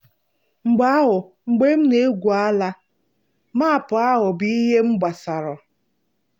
Mgbe ahụ, mgbe m na-egwu ala, maapụ a bụ ihe m gbasoro.